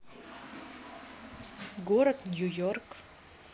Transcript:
город нью йорк